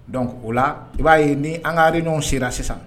Donc o la i b'a ye ni an ka réunion sera sisan